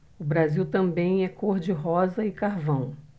o brasil também é cor de rosa e carvão